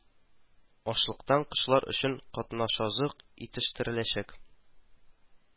Ашлыктан кошлар өчен катнашазык итештереләчәк